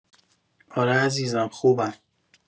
آره عزیزم خوبم.